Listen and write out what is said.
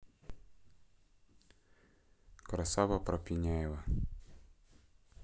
красава про пеняева